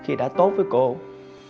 khi đã tốt với cổ